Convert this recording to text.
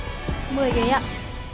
mười ghế ạ